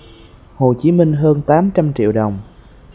hồ chí minh hơn tám trăm triệu đồng